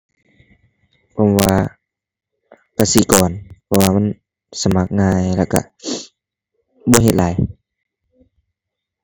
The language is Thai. ผมว่ากสิกร เพราะว่ามันสมัครง่าย แล้วก็ บ่เฮ็ดหลาย